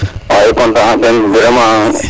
waay i content na ten vraiment